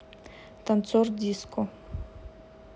танцор диско